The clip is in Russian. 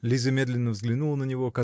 Лиза медленно взглянула на него